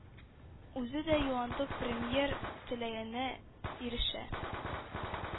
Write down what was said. Үзе дә юантык премьер теләгенә ирешә